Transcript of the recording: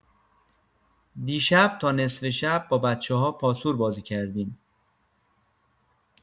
دیشب تا نصف شب با بچه‌ها پاسور بازی کردیم.